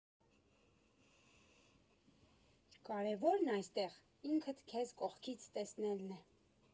Կարևորն այստեղ ինքդ քեզ կողքից տեսնելն է։